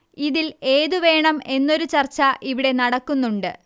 ഇതിൽ ഏതു വേണം എന്നൊരു ചര്ച്ച ഇവിടെ നടക്കുന്നുണ്ട്